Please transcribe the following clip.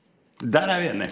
der er vi enig.